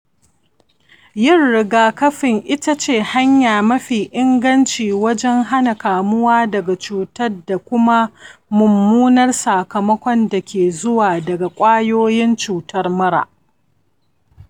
yin rigakafi ita ce hanya mafi inganci wajen hana kamuwa da cuta da kuma mummunan sakamako da ke zuwa daga ƙwayoyin cutar mura.